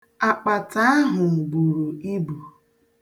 Akpata ahụ buru ibu.